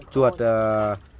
chuột ờ